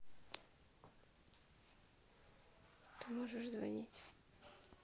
ты можешь звонить